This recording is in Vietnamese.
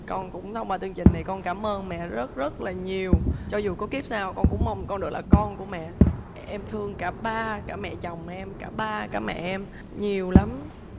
con cũng thông qua chương trình này con cám ơn mẹ rất rất là nhiều cho dù có kiếp sau con cũng mong con được là con của mẹ em thương cả ba cả mẹ chồng em cả ba cả mẹ em nhiều lắm